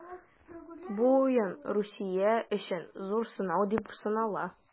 Бу уен Русия өчен зур сынау дип санала.